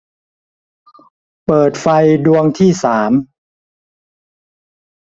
เปิดไฟดวงที่สาม